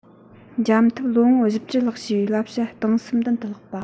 འཇམ འཐབ ལོ ངོ བཞི བཅུ ལྷག བྱས པའི བསླབ བྱ གཏིང ཟབ མདུན དུ ལྷགས པ